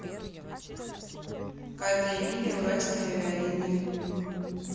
карта эмиля уральские авиалинии